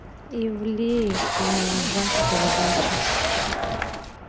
ивлеев на ножах передача